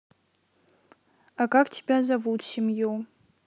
а как тебя зовут семью